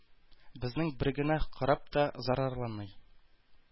Безнең бер генә кораб та зарарланмый,